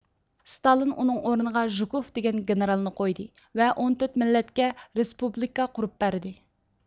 ستالىن ئۇنىڭ ئورنىغا ژۇكۇف دېگەن گېنېرالنى قويدى ۋە ئون تۆت مىللەتكە رېسپۇبلىكا قۇرۇپ بەردى